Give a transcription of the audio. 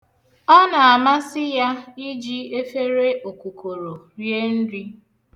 Ọ na-amasị ya iji efere okukoro rie nri.